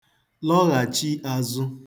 lọghàchi āzụ̄